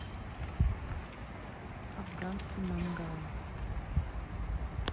афганский мангал